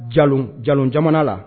Ja ja jamana la